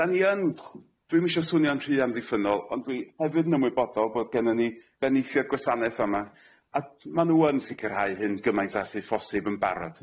Dan ni yn ch- dwi'm isio swnio'n rhy amddiffynnol ond dwi hefyd yn ymwybodol bod gennon ni beneithiad gwasanaeth yma a t- ma' nw yn sicirhau hyn gymaint â sy' ffosib yn barod.